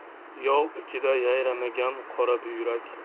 yog' ichida yayramagan qora buyrak